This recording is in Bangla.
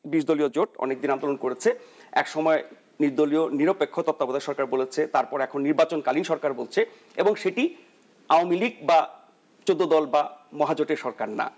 ২০ দলীয় জোট অনেকদিন আন্দোলন করেছে এক সময় নির্দলীয় নিরপেক্ষ তত্ত্বাবধায়ক সরকার বলেছে এখন নির্বাচনকালীন সরকার বলছে এবং সেটি আওয়ামী লীগ বা ১৪ দল বা মহাজোটের সরকার না